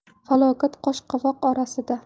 falokat qosh qovoq orasida